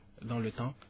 dans le temps